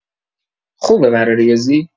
خوبه برا ریاضی؟